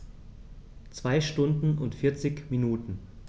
2 Stunden und 40 Minuten